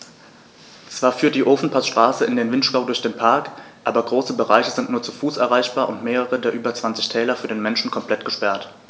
Zwar führt die Ofenpassstraße in den Vinschgau durch den Park, aber große Bereiche sind nur zu Fuß erreichbar und mehrere der über 20 Täler für den Menschen komplett gesperrt.